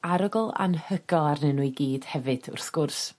arogl anhygol arnyn n'w i gyd hefyd wrth gwrs.